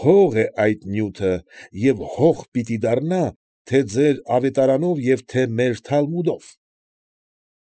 Հող է այդ նյութը և հող պիտի դառնա թե՛ ձեր ավետարանով և թե՛ մեր թալմուդով։